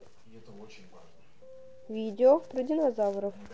видео про динозавров